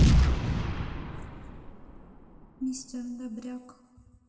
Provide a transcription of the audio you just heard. мистер добряк